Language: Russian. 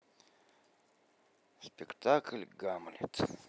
спектакль гамлет